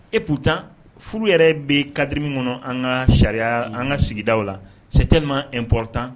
Et pour tant furu yɛrɛ bɛ cadre min kɔnɔ an ka sariya an ka sigidaw la c'est tellement important